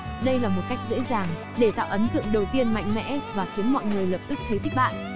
đây là một cách dễ dàng để tạo ấn tượng đầu tiên mạnh mẽ và khiến mọi người lập tức thấy thích bạn